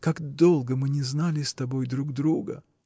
Как долго мы не знали с тобой друг друга!.